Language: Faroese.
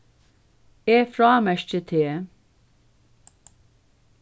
eg frámerki teg